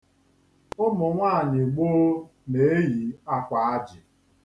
Ụmụ nwaanyị gboo na-eyi akwāājị.